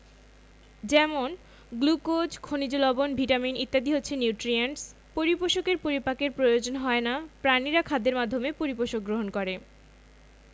যেমন গ্লুকোজ খনিজ লবন ভিটামিন ইত্যাদি হচ্ছে নিউট্রিয়েন্টস পরিপোষকের পরিপাকের প্রয়োজন হয় না প্রাণীরা খাদ্যের মাধ্যমে পরিপোষক গ্রহণ করে